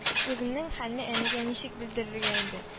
Үземнең хәлне әнигә ничек белдерергә инде